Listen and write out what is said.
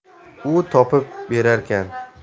u topib berarkan